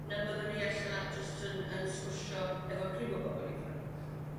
na byddwn ni ella jyst yn yn sgwrsio efo criw o bobol ifanc.